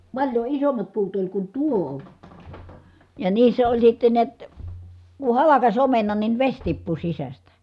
paljon isommat puut oli kun tuo ja niissä oli sitten näet kun halkaisi omenan niin vesi tippui sisästä